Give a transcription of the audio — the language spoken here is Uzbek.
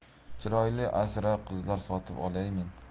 chiroylik asira qizlar sotib olg'aymen